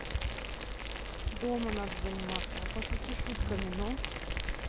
дома надо заниматься а пошути шутками но